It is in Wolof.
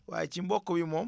waaye ci mboq yi moom